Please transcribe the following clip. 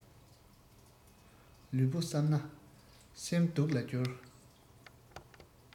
ལུས པོ བསམས ན སེམས སྡུག ལ སྦྱོར